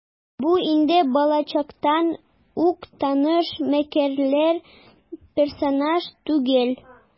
Бу инде балачактан ук таныш мәкерле персонаж түгел.